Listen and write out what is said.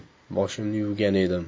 boshimni yuvgan edim